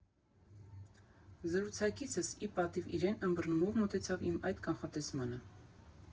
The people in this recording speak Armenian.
Զրուցակիցս, ի պատիվ իրեն, ըմբռնումով մոտեցավ իմ այդ կանխատեսմանը։